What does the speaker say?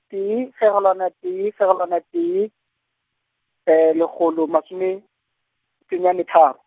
tee, fegelwana tee, fegelwana tee, legolo masome, senyane tharo.